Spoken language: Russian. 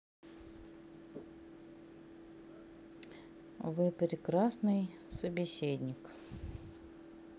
вы прекрасный собеседник